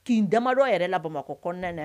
K'i damabadɔ yɛrɛ bamakɔ kɔnɔna